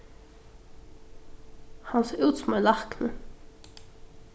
hann sá út sum ein lækni